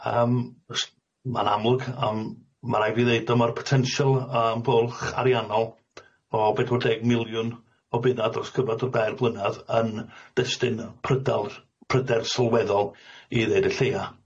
Yym s- ma'n amlwg yym ma' raid fi ddeud dyma'r potensial yym bwlch ariannol o bedwar deg miliwn o buna dros gyfnad y dair blynadd yn destun prydal- pryder sylweddol i ddeud y lleia.